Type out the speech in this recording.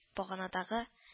Баганадагы